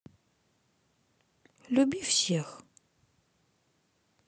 люби всех